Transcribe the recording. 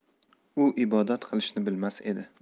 u ibodat qilishni bilmas edi